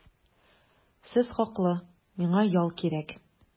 Сез хаклы, миңа ял кирәк.